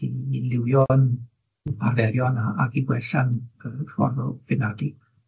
i i liwio'n arferion a- ac i gwella'n cy- ffordd o beirniadu.